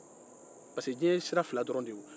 pariseke diɲɛ ye sira fila dɔrɔn de ye o